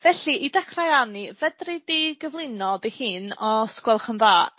Felly i dechra arni fedri di gyflwyno dy hun os gwelwch yn dda?